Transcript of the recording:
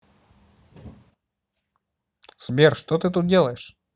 сбер что ты тут делаешь